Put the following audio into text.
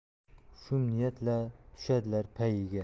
shum niyat la tushadilar payiga